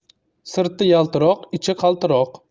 sirti yaltiroqning ichi qaltiroq